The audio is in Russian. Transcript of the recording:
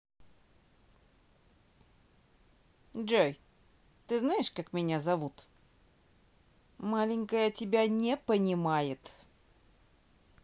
джой ты знаешь как меня зовут маленькая тебя не понимает